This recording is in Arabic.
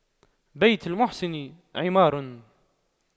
بيت المحسن عمار